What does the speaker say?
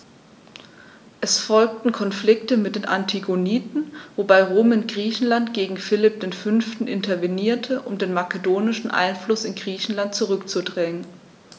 Es folgten Konflikte mit den Antigoniden, wobei Rom in Griechenland gegen Philipp V. intervenierte, um den makedonischen Einfluss in Griechenland zurückzudrängen.